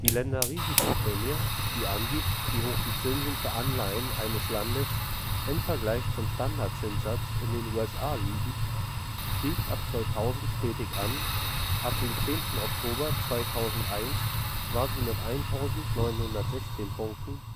Länderrisikoprämie, die angibt, wie hoch die Zinsen für Anleihen eines Landes im Vergleich zum Standard-Zinssatz in den USA liegen, stieg ab 2000 stetig an, ab dem 10. Oktober 2001 war sie mit 1916 Punkten